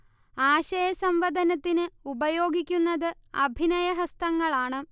ആശയസംവദനത്തിന് ഉപയോഗിക്കുന്നത് അഭിനയഹസ്തങ്ങളാണ്